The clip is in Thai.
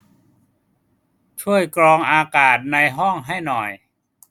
ช่วยกรองอากาศในห้องให้หน่อย